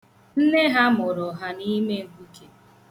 Nne ya mụrụ ha n' ime mkpuke.